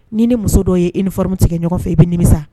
Ni'ni muso dɔ ye uniforme tigɛ ɲɔgɔn fɛ i be nimisa